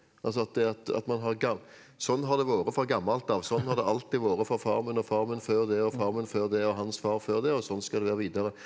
altså at det at at man har sånn har det vært fra gammelt av sånn har det alltid vært for far min og far min før det og far min før det og hans far før det og sånn skal det være videre.